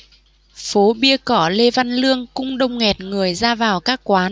phố bia cỏ lê văn lương cũng đông nghẹt người ra vào các quán